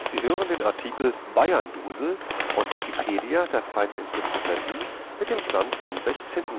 Sie hören den Artikel Bayern-Dusel, aus Wikipedia, der freien Enzyklopädie. Mit dem Stand vom Der Inhalt